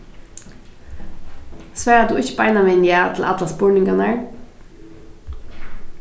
svarar tú ikki beinanvegin ja til allar spurningarnar